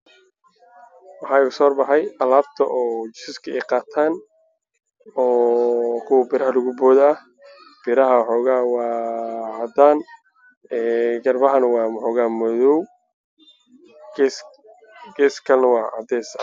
Waa isbitaal waxaa yaalo alaabta ay qaataan dadka curyaanka oo lugta ka jaban waana biro farabadan